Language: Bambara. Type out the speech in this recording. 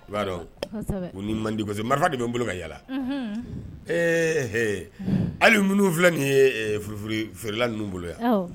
I b'a dɔn, u ni n man di parce que marifa de bɛ n bolo ka yala, unhun, e he, hali minnu filɛ nin ye furufurufeerela ninnu bolo yan